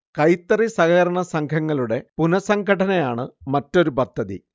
കൈത്തറി സഹകരണ സംഘങ്ങളുടെ പുനഃസംഘടനയാണ് മറ്റൊരു പദ്ധതി